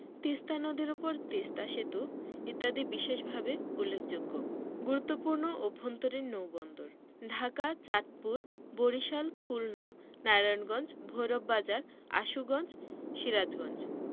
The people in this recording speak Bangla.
তিস্তা নদীর উপর তিস্তা সেতু ইত্যাদি বিশেষভাবে উল্লেখযোগ্য গুরুত্বপূর্ণ অভ্যন্তরীণ নৌবন্দরঃ ঢাকা চাঁদপুর বরিশাল খুলনা নারায়ণগঞ্জ ভৈরব বাজার আশুগঞ্জ সিরাজগঞ্জ